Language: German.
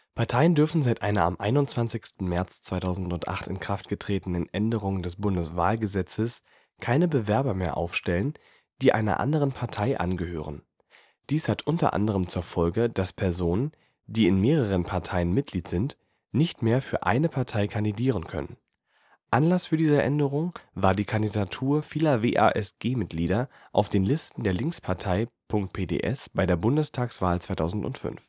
Parteien dürfen seit einer am 21. März 2008 in Kraft getretenen Änderung des Bundeswahlgesetzes keine Bewerber mehr aufstellen, die einer anderen Partei angehören; dies hat u. a. zur Folge, dass Personen, die in mehreren Parteien Mitglied sind, nicht mehr für eine Partei kandidieren können. Anlass für diese Änderung war die Kandidatur vieler WASG-Mitglieder auf den Listen der Linkspartei.PDS bei der Bundestagswahl 2005